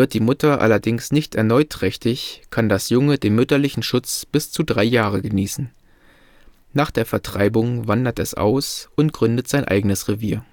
die Mutter allerdings nicht erneut trächtig, kann das Junge den mütterlichen Schutz bis zu drei Jahre genießen. Nach der Vertreibung wandert es aus und gründet sein eigenes Revier